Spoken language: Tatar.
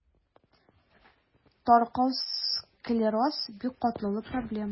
Таркау склероз – бик катлаулы проблема.